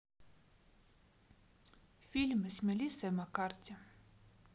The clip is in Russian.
фильмы с мелиссой маккарти